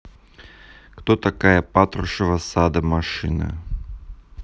кто такая патрушева сада машина